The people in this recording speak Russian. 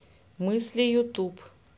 мысли ютуб